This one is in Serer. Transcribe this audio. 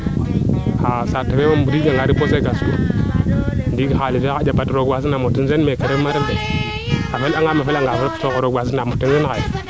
xa'a saate fe a mbadiida nga rek a suur xalis fee fat rooga wasanamo ten Sene me ke refma ref a fel angama fela nga roog rooga wasanamo ten xaye